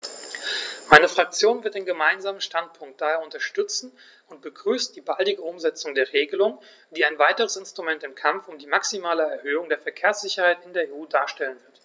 Meine Fraktion wird den Gemeinsamen Standpunkt daher unterstützen und begrüßt die baldige Umsetzung der Regelung, die ein weiteres Instrument im Kampf um die maximale Erhöhung der Verkehrssicherheit in der EU darstellen wird.